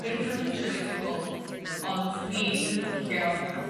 Peidiwch â jydgio fi pobol, ond dwi yn licio